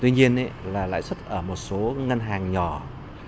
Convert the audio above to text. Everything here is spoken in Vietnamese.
tuy nhiên ý là lãi suất ở một số ngân hàng nhỏ